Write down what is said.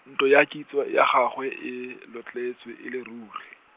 ntlo ya kitso ya gagwe e lotletswe e le rure.